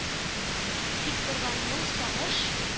Дип торган моң, сагыш.